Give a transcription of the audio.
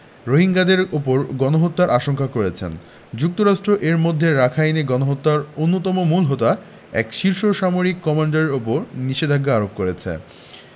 রোহিঙ্গাদের ওপর গণহত্যার আশঙ্কা করেছেন যুক্তরাষ্ট্র এরই মধ্যে রাখাইনে গণহত্যার অন্যতম মূল হোতা এক শীর্ষ সামরিক কমান্ডারের ওপর নিষেধাজ্ঞা আরোপ করেছে